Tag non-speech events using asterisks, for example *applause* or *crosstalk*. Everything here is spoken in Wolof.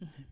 *hesitation* *hesitation*